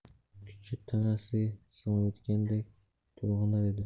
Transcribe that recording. kuchi tanasiga sig'mayotgandek tolg'anar edi